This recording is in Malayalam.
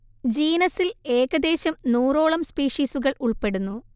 ജീനസിൽ ഏകദേശം നൂറോളം സ്പീഷിസുകൾ ഉൾപ്പെടുന്നു